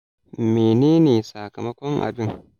Menene sakamakon abin?